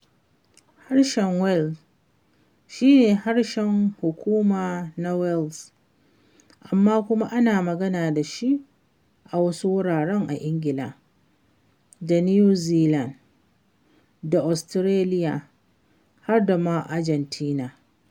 Harshen Welsh shi ne harshen hukuma na Wales, amma kuma ana magana da shi a wasu wuraren a Ingila da New Zealand da Australia har dama Argentina.